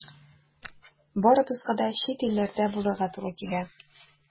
Барыбызга да чит илләрдә булырга туры килә.